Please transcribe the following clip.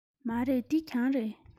མ རེད འདི གྱང རེད